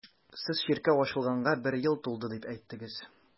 Сез чиркәү ачылганга бер ел тулды дип әйттегез.